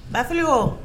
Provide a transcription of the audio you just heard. Ba o